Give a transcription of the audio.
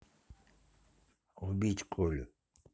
убить колю